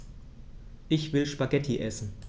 Ich will Spaghetti essen.